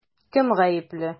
Кем гаепле?